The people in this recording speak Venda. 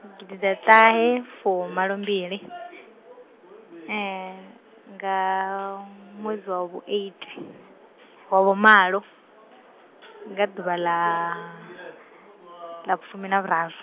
gidiḓaṱahefumalombili nga, ṅwedzi wa vhu eight, wa vhumalo, nga ḓuvha ḽa, ḽa vhufumi na vhuraru.